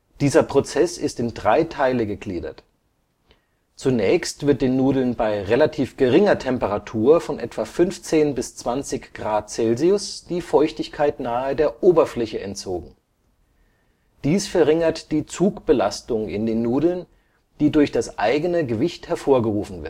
Dieser Prozess ist in drei Teile gegliedert: Zunächst wird den Nudeln bei relativ geringer Temperatur von etwa 15 bis 20 °C die Feuchtigkeit nahe der Oberfläche entzogen. Dies verringert die Zugbelastung in den Nudeln, die durch das eigene Gewicht hervorgerufen